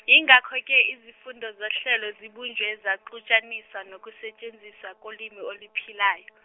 yingakho ke izifundo zohlelo zibunjwe zaxutshaniswa nokusetshenziswa kolimi oluphilayo.